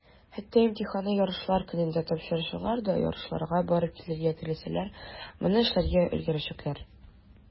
Хәтта имтиханны ярышлар көнендә тапшыручылар да, ярышларга барып килергә теләсәләр, моны эшләргә өлгерәчәкләр.